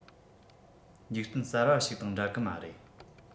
འཇིག རྟེན གསར པ ཞིག དང འདྲ གི མ རེད